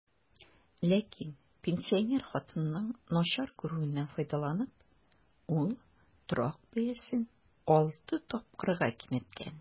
Ләкин, пенсинер хатынның начар күрүеннән файдаланып, ул торак бәясен алты тапкырга киметкән.